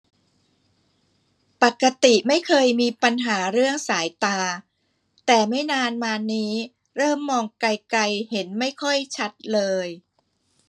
ปกติไม่เคยมีปัญหาเรื่องสายตาแต่ไม่นานมานี้เริ่มมองไกลไกลเห็นไม่ค่อยชัดเลย